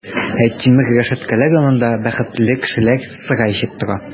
Ә тимер рәшәткәләр янында бәхетле кешеләр сыра эчеп тора!